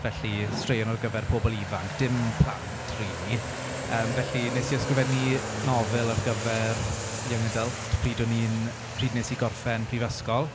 Felly straeon ar gyfer pobl ifanc dim plant rili. Yym felly Wnes i ysgrifennu nofel ar gyfer young adult pryd o'n ni'n... pryd wnes i gorffen prifysgol.